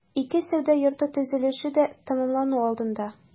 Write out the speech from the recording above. Ике сәүдә йорты төзелеше дә тәмамлану алдында.